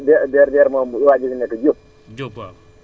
waa alxamdulilaa DRDR moom waa ji fi nekk Diop